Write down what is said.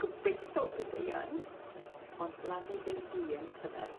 Gobeitho bydd 'i yn. Ond lan iddi hi yntyfe?